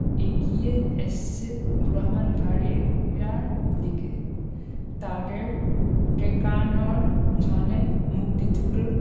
এগিয়ে আসছে ব্রাহ্মনবাড়িয়ার দিকে তাদের ঠেকানোর জন্য মুক্তিযোদ্ধারা